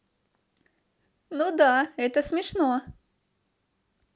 ну да это смешно